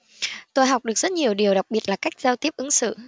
tôi học được rất nhiều điều đặc biệt là cách giao tiếp ứng xử